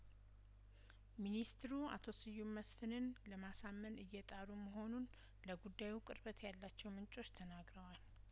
ሚኒስትሩ አቶ ስዩም መስፍንን ለማሳመን እየጣሩ መሆኑን ለጉዳዩ ቅርበት ያላቸውምንጮች ተናግረዋል